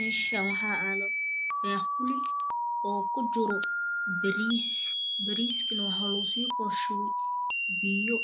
Meshaan waxaa aalo baaquuli oo ku jiro bariis bariskana waxa lagu kor shubay biyo